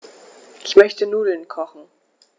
Ich möchte Nudeln kochen.